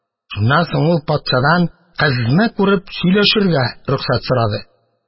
Шуннан соң ул патшадан кызны күреп сөйләшергә рөхсәт сорады.